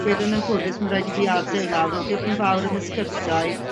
gweud yn anffodus ma' raid i fi adael nawr ond diolch yn fawr am y sgyrsau.